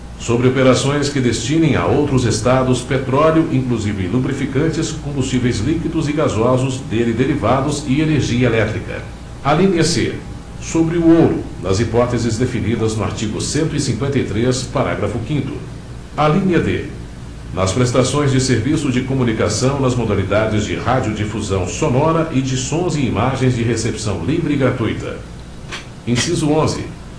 sobre operações que destinem a outros estados petróleo inclusive lubrificantes combustíveis líquidos e gasosos dele derivados e energia elétrica alínea c sobre o ouro nas hipóteses definidas no artigo cento e cinquenta e três parágrafo quinto alínea d nas prestações de serviço de comunicação nas modalidades de radiodifusão sonora e de sons e imagens de recepção livre e gratuita inciso onze